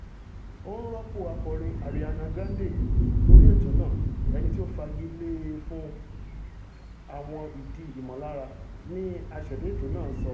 Ó ń rọ́pò akọrin Ariana Grande lórí ètò náà ẹniti ó fagilé e fún ''àwọn ìdí ìmọ̀lára,'' ni aṣẹ̀dá ètò náà sọ.